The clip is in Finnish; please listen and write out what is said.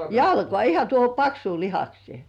jalkaan ihan tuohon paksuun lihakseen